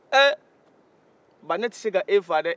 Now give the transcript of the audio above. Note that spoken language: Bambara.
ee ba ne tɛ se ka e faga dɛɛ